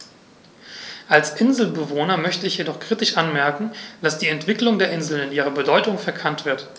Als Inselbewohner möchte ich jedoch kritisch anmerken, dass die Entwicklung der Inseln in ihrer Bedeutung verkannt wird.